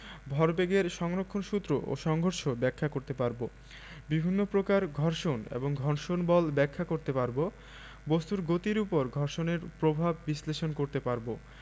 ভরবেগের সংরক্ষণ সূত্র ও সংঘর্ষ ব্যাখ্যা করতে পারব বিভিন্ন প্রকার ঘর্ষণ এবং ঘর্ষণ বল ব্যাখ্যা করতে পারব বস্তুর গতির উপর ঘর্ষণের প্রভাব বিশ্লেষণ করতে পারব